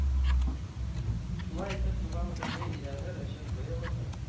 Шулай итеп туган телне өйрәнер өчен быелыгы